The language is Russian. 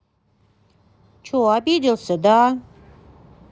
че обиделся да